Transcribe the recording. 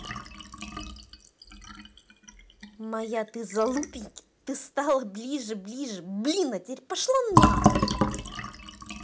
моя ты залупеньки ты стала ближе ближе блин а теперь пошла нахуй